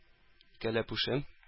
Кәләпүшем